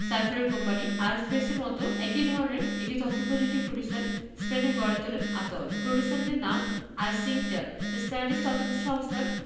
সাইফুলের কোম্পানি আইব্যাকসের মতো একই ধরনের একটি তথ্যপ্রযুক্তি প্রতিষ্ঠান স্পেনে গড়ে তোলেন আতাউল প্রতিষ্ঠানটির নাম আইসিংকটেল স্প্যানিশ তদন্ত সংস্থার